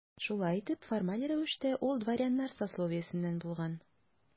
Шулай итеп, формаль рәвештә ул дворяннар сословиесеннән булган.